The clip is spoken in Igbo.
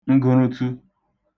ngụrụtu